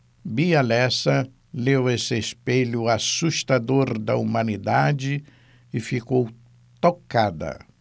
bia lessa leu esse espelho assustador da humanidade e ficou tocada